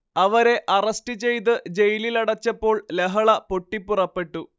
അവരെ അറസ്റ്റ് ചെയ്ത് ജയിലിലടച്ചപ്പോൾ ലഹള പൊട്ടിപ്പുറപ്പെട്ടു